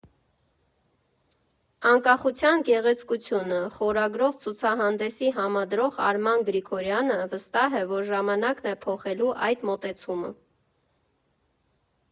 «Անկախության գեղեցկությունը» խորագրով ցուցահանդեսի համադրող Արման Գրիգորյանը վստահ է, որ ժամանակն է փոխելու այդ մոտեցումը։